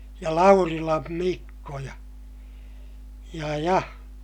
ja Laurilan Mikko ja ja ja